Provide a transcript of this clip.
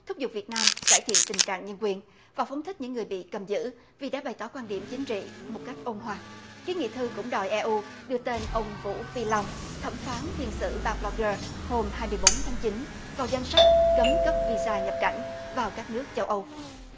thúc giục việt nam cải thiện tình trạng nhân quyền và phóng thích những người bị cầm giữ vì đã bày tỏ quan điểm chính trị một cách ôn hòa kiến nghị thư cũng đòi e u đưa tên ông vũ phi long thẩm phán phiên xử ba bờ lóc gơ hôm hai mươi bốn tháng chín vào danh sách cấm cấp vi sa nhập cảnh vào các nước châu âu